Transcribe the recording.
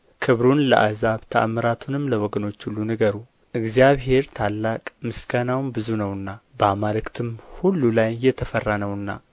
ክብሩን ለአሕዛብ ተኣምራቱንም ለወገኖች ሁሉ ንገሩ እግዚአብሔር ታላቅ ምስጋናውም ብዙ ነውና በአማልክትም ሁሉ ላይ የተፈራ ነውና